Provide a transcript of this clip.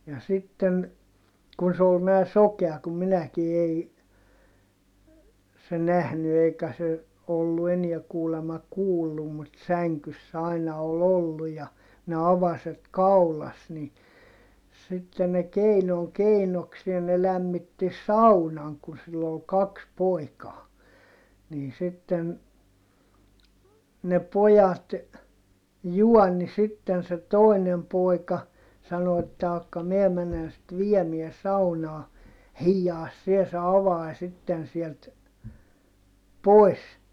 ja sitten kun se oli nämä sokea kuin minäkin ei se nähnyt eikä se ollut enää kuulemma kuullut mutta sängyssä aina oli ollut ja ne avaset kaulassa niin sitten ne keinon keinokseen ne lämmitti saunan kun sillä oli kaksi poikaa niin sitten ne pojat juoni sitten se toinen poika sanoi että jahka minä menen sitten viemään saunaan hiiaa sinä se avanen sitten sieltä pois